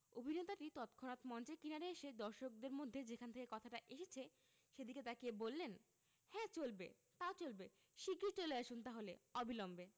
অভিনেতাটি তৎক্ষনাত মঞ্চের কিনারে এসে দর্শকদের মধ্যে যেখান থেকে কথাটা এসেছে সেদিকে তাকিয়ে বললেন হ্যাঁ চলবে তাও চলবে শিগগির চলে আসুন তাহলে অবিলম্বে